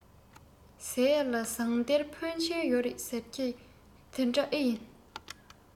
ཟེར ཡས ལ ཟངས གཏེར འཕོན ཆེན ཡོད རེད ཟེར གྱིས དེ འདྲ ཨེ ཡིན